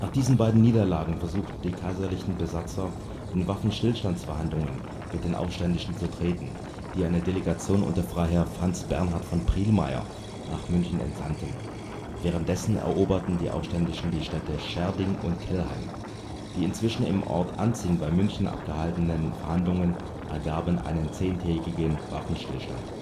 diesen beiden Niederlagen versuchten die kaiserlichen Besatzer in Waffenstillstandsverhandlungen mit den Aufständischen zu treten, die eine Delegation unter Freiherr Franz Bernhard von Prielmayr nach München entsandten. Währenddessen eroberten die Aufständischen die Städte Schärding und Kelheim. Die inzwischen im Ort Anzing bei München abgehaltenen Verhandlungen ergaben einen zehntägigen Waffenstillstand